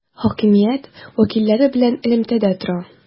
Хакимият вәкилләре белән элемтәдә тора.